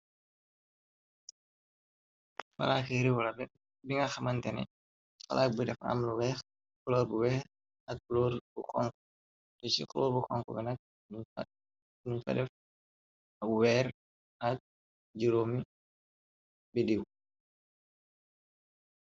Waraakay rewalare dinga xamantene, xalaak bu def amlu weex, xoloor bu weer ak loor bu xonk, te ci xoloor bu xonk ginag, yuñ fa def ak weer ak juróomi biddiiw.